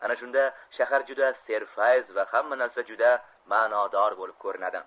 ana shunda shahar juda serfayz va hamma narsa juda ma'nodor bo'lib ko'rinadi